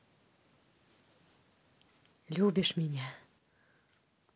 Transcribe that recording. любишь меня